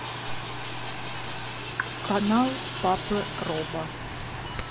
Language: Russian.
канал папы роба